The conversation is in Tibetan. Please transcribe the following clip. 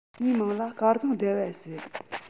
ངའི མིང ལ སྐལ བཟང ཟླ བ ཟེར